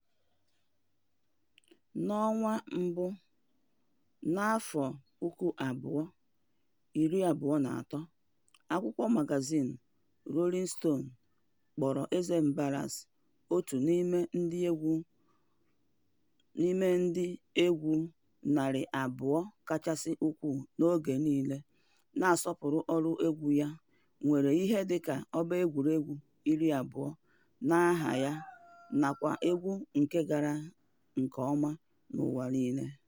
Na Jenụwarị 2023, akwụkwọ magazin Rolling Stone kpọrọ eze Mbalax otu n'ime ndịegwu 200 kachasị ukwuu n'oge niile, na-asọpụrụ ọrụ egwu ya, nwere ihe dịka ọbaegwu iri abụọ n'aha ya nakwa egwu nke gara nke ọma n'ụwa niile.